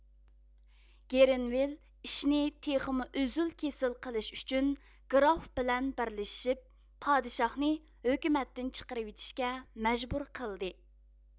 گرېنۋىل ئىشنى تېخمۇ ئۈزۈل كېسىل قىلىش ئۈچۈن گراف بىلەن بىرلىشىپ پادىشاھنى ھۆكۈمەتتىن چىقىرىۋېتىشكە مەجبۇر قىلدى